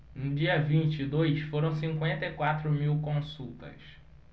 no dia vinte e dois foram cinquenta e quatro mil consultas